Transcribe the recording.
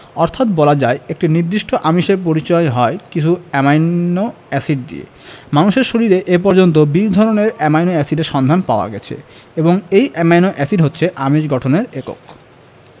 অর্থাৎ বলা যায় একটি নির্দিষ্ট আমিষের পরিচয় হয় কিছু অ্যামাইনো এসিড দিয়ে মানুষের শরীরে এ পর্যন্ত ২০ ধরনের অ্যামাইনো এসিডের সন্ধান পাওয়া গেছে এবং এই অ্যামাইনো এসিড হচ্ছে আমিষ গঠনের একক